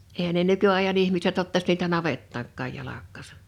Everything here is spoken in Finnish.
eihän ne nykyajan ihmiset ottaisi niitä navettaankaan jalkaansa